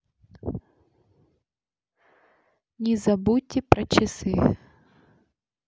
не забудьте про часы